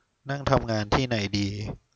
นั่งทำงานที่ไหนดี